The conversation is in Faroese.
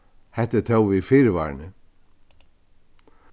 hetta er tó við fyrivarni